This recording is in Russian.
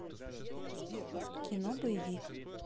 кино боевик